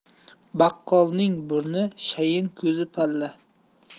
baqqolning burni shayin ko'zi palla